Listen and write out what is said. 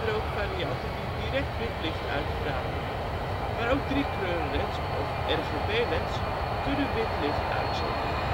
ook varianten die direct wit licht uitstralen. Maar ook driekleurenleds of RGB-leds kunnen wit licht uitzenden